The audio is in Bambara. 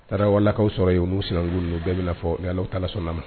Taara wa lakaw sɔrɔ yen n'u sinan ninnu u bɛɛ bɛna fɔ u talaso ma